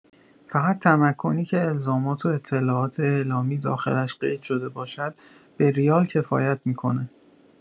فقط تمکنی که الزامات و اطلاعات اعلامی داخلش قید شده باشد به ریال کفایت می‌کنه